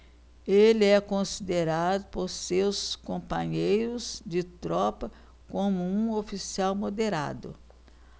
ele é considerado por seus companheiros de tropa como um oficial moderado